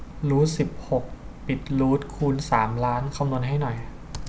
รูทสิบหกปิดรูทคูณสามล้านคำนวณให้หน่อย